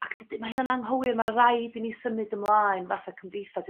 Ac dydy... Ma' hyn yn anghywir ma' raid i ni symud ymlaen fath a cymdeithas